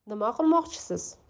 nima qilmoqchisiz